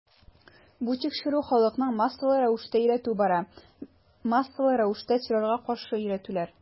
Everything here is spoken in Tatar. Бу тикшерү, халыкны массалы рәвештә өйрәтү бара, массалы рәвештә террорга каршы өйрәтүләр.